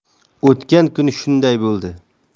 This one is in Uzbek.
o'tgan kuni shunday bo'ldi